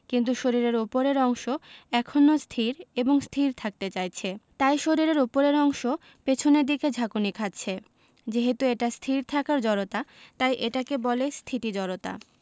কিন্তু শরীরের ওপরের অংশ এখনো স্থির এবং স্থির থাকতে চাইছে তাই শরীরের ওপরের অংশ পেছনের দিকে ঝাঁকুনি খাচ্ছে যেহেতু এটা স্থির থাকার জড়তা তাই এটাকে বলে স্থিতি জড়তা